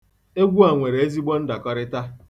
Egwu a nwere ezigbo ndakọrịta.